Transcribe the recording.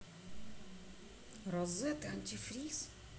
rosette антифриз